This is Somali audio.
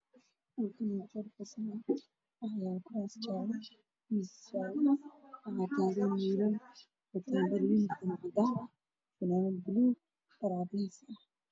Waa school waxaa iskugu imaaday niman